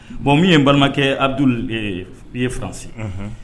Bon min ye n balimakɛ Aduli ye faransi . Unhun